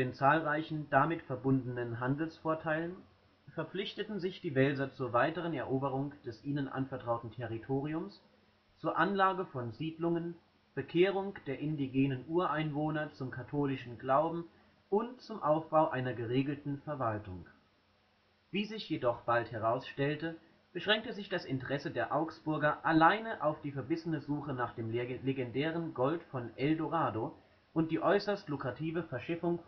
zahlreichen damit verbundenen Handelsvorteilen verpflichteten sich die Welser zur weiteren Eroberung des ihnen anvertrauten Territoriums, zur Anlage von Siedlungen, Bekehrung der indigenen Ureinwohner zum katholischen Glauben und zum Aufbau einer geregelten Verwaltung. Wie sich jedoch bald herausstellte, beschränkte sich das Interesse der Augsburger alleine auf die verbissene Suche nach dem legendären Gold von El Dorado und die äußerst lukrative Verschiffung